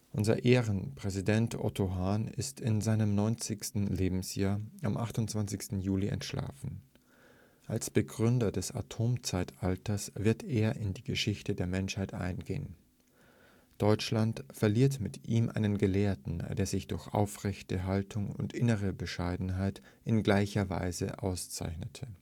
Unser Ehrenpräsident Otto Hahn ist in seinem 90. Lebensjahr am 28. Juli entschlafen. Als Begründer des Atomzeitalters wird er in die Geschichte der Menschheit eingehen. Deutschland verliert mit ihm einen Gelehrten, der sich durch aufrechte Haltung und innere Bescheidenheit in gleicher Weise auszeichnete